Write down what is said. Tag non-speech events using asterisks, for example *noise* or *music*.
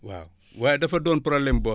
waaw *breath* waaye dafa doon problème boo